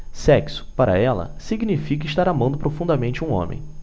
sexo para ela significa estar amando profundamente um homem